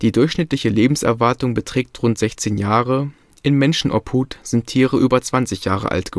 durchschnittliche Lebenserwartung beträgt rund 16 Jahre, in Menschenobhut sind Tiere über 20 Jahre alt